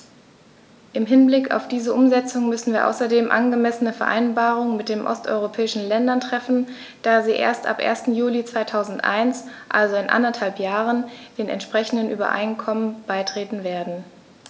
Im Hinblick auf diese Umsetzung müssen wir außerdem angemessene Vereinbarungen mit den osteuropäischen Ländern treffen, da sie erst ab 1. Juli 2001, also in anderthalb Jahren, den entsprechenden Übereinkommen beitreten werden.